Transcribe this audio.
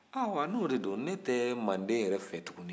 ayiwa n'o de don ne tɛ mande yɛrɛ fɛ tuguni